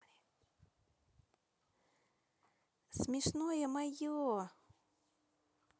смешное мое